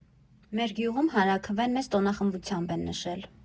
Մեր գյուղում հանրաքվեն մեծ տոնախմբությամբ են նշել։